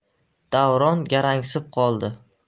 davron garangsib qoldi